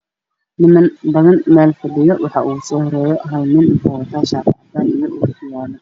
Niman badan meel fadhiyo waxaa ugu soo horeeyo hal nin wuxuu wataa shaati cadaan iyo ookiyaalo